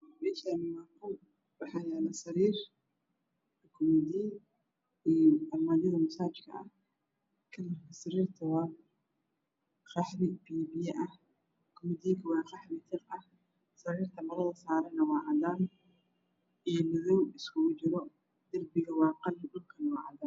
Meshani waa qol waxaa yaala sariir komadiin iyo armajada masajka ah sariirta waa qaxwi biya biya ah komadiinka waa qaxwi tiiq ah sariirta marada saarana waa cadan iyo madoow iskugu jiro dirbigana waa qalin dhulkana waa cadan